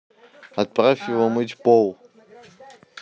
отправь его мыть пол